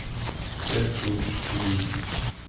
я хочу выключить телевизор